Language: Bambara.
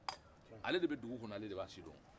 ale de bɛ dugu kɔnɔ ale de b'a sidɔn